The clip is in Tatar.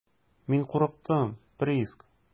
Мин курыктым, Приск.